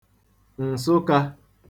Ǹsụkā